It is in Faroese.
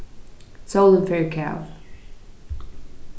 sólin fer í kav